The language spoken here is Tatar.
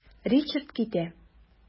Ричард китә.